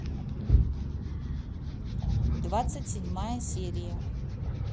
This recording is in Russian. двадцать седьмая серия